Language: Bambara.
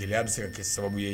Gɛlɛya bɛ se ka kɛ sababu ye